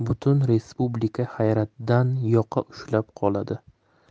butun respublika hayratdan yoqa ushlab qoladi